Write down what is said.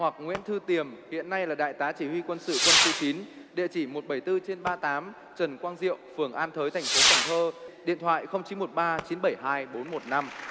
hoặc nguyễn thư tiềm hiện nay là đại tá chỉ huy quân sự quân khu chín địa chỉ một bảy tư trên ba tám trần quang diệu phường an thới thành phố cần thơ điện thoại không chín một ba chín bảy hai bốn một năm